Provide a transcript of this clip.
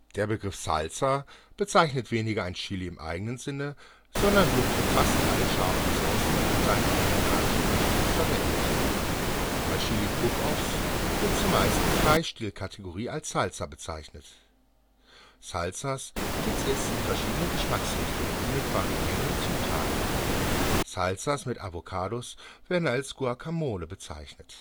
Der Begriff Salsa bezeichnet weniger ein Chili im eigenen Sinne, sondern wird für fast alle scharfen Saucen lateinamerikanischen Ursprungs verwendet. Bei Chili Cook Offs wird zumeist die Freistil-Kategorie als Salsa bezeichnet. Salsas gibt es in verschiedenen Geschmacksrichtungen und mit variierenden Zutaten. Salsas mit Avocados werden als Guacamole bezeichnet